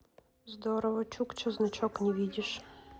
здорово чукча значок не видишь